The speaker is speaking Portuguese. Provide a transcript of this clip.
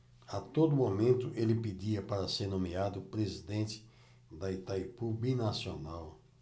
a todo momento ele pedia para ser nomeado presidente de itaipu binacional